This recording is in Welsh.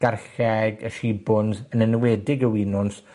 garlleg, y shibwns, yn enwedig y winwns,